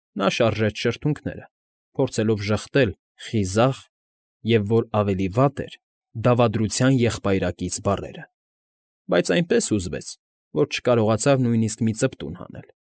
Նա շարժեց շրթունքները, փորձելով ժխտել «խիզախ» և, որ ավելի վատ էր, «դավադրության եղբայրակից» բառերը, բայց այնպես հուզվեց, որ չկարողացավ նույնիսկ մի ծպտուն հանել։